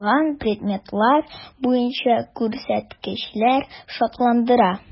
Калган предметлар буенча күрсәткечләр шатландыра.